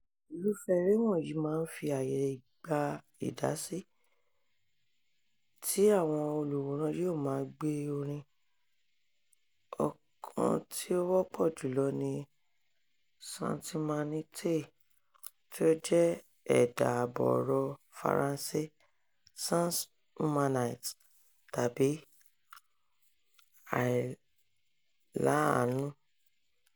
Irúfẹ́ eré wọ̀nyí máa ń fi àyè gba ìdásí, tí àwọn olùwòràn yóò máa gbe orin, ọ̀kan tí ó wọ́pọ̀ jù lọ ni "Santimanitay!", tí ó jẹ́ ẹ̀dà àbọ̀-ọ̀rọ̀ Faransé “sans humanité”, tàbí “àìláàánú”.